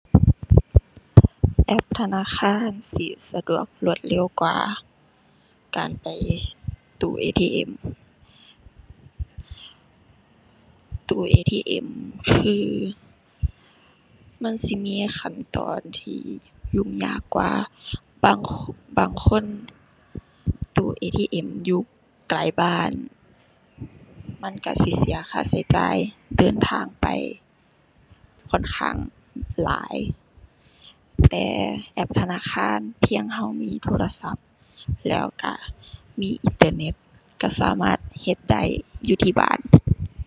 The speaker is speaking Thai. แอปธนาคารสิสะดวกรวดเร็วกว่าการไปตู้ ATM ตู้ ATM คือมันสิมีขั้นตอนที่ยุ่งยากกว่า บาง บางคนตู้ ATM อยู่ไกลบ้านมันก็สิเสียค่าก็จ่ายเดินทางไปค่อนข้างหลาย แต่แอปธนาคารเพียงก็มีโทรศัพท์แล้วก็มีอินเทอร์เน็ตก็สามารถเฮ็ดได้อยู่ที่บ้าน